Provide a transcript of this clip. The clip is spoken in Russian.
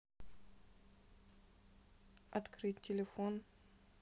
открыть телефон